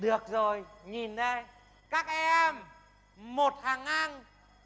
được rồi nhìn đây các em một hàng ngang